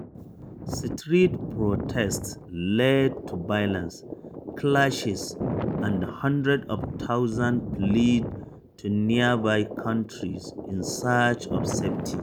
Street protests led to violent clashes, and hundreds of thousands fled to nearby countries in search of safety.”